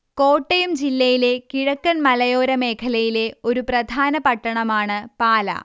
കോട്ടയം ജില്ലയിലെ കിഴക്കൻ മലയോര മേഖലയിലെ ഒരു പ്രധാന പട്ടണമാണ് പാലാ